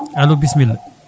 alo bisimilla